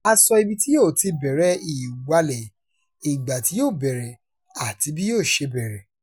A sọ ibi tí yóò ti bẹ̀rẹ̀ ìwalẹ̀, ìgbà tí yó bẹ̀rẹ̀ àti bí yóò ṣe bẹ̀rẹ̀ .